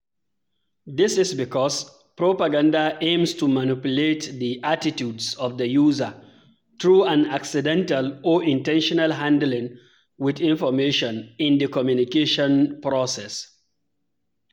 This is because propaganda "aims to manipulate the attitudes of the user" through an "accidental or intentional handling with information in [the] communication process".